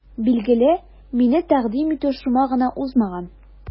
Билгеле, мине тәкъдим итү шома гына узмаган.